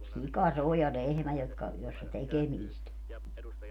sika se on ja lehmä jotka jossa tekemistä on